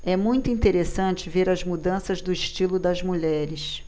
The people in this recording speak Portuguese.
é muito interessante ver as mudanças do estilo das mulheres